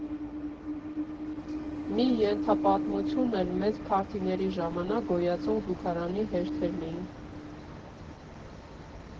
Մի ենթապատմություն էլ մեծ փարթիների ժամանակ գոյացող զուգարանի հերթերն էին։